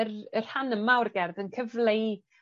yr y rhan yma o'r gerdd yn cyfleu